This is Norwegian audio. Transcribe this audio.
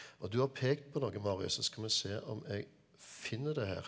og du har pekt på noe Marius så skal vi se om jeg finner det her.